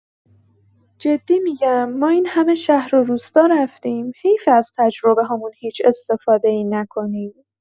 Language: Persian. جدی می‌گم، ما این‌همه شهر و روستا رفتیم، حیفه از تجربه‌هامون هیچ استفاده‌ای نکنیم.